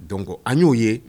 Donc an y'o ye